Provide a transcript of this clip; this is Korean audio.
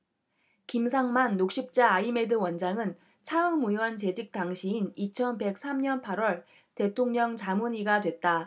김상만 녹십자아이메드 원장은 차움의원 재직 당시인 이천 백 삼 년 팔 월 대통령 자문의가 됐다